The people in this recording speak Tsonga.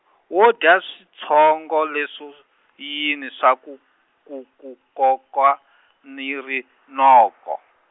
wo dya switshongo leswo yini swa ku ku ku koka ni rinoko?